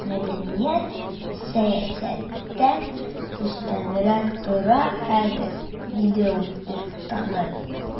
Мәдәният сәясәттән өстенрәк тора хәзер, диде ул уфтанып.